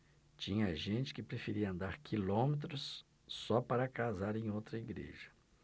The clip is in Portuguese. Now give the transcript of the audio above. tinha gente que preferia andar quilômetros só para casar em outra igreja